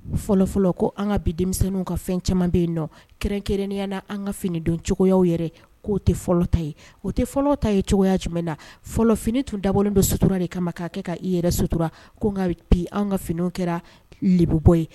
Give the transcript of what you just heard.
Fɔlɔfɔlɔ ko an ka bi denmisɛnww ka fɛn caman bɛ yen nɔ kɛrɛnkɛrɛnnenya na an ka finidon cogoyaw yɛrɛ k'o tɛ fɔlɔ ta ye o tɛ fɔlɔ ta ye cogoya jumɛn na fɔlɔf tun dabɔ dɔ sutura de kama k'a kɛ ka i yɛrɛ sutura ko bi an ka fini kɛra libbɔ ye